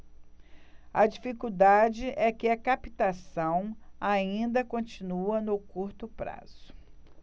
a dificuldade é que a captação ainda continua no curto prazo